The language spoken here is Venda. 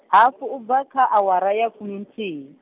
hafu ubva kha awara ya fuminthihi.